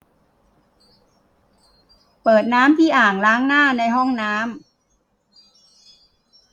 เปิดน้ำที่อ่างล้างหน้าในห้องน้ำ